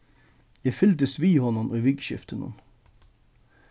eg fylgdist við honum í vikuskiftinum